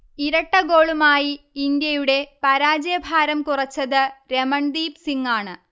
ഇരട്ടഗോളുമായി ഇന്ത്യയുടെ പരാജയഭാരം കുറച്ചത് രമൺദീപ് സിങ്ങാണ്